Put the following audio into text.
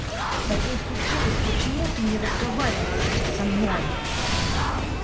с тобой случилось почему ты не разговаривала сейчас со мной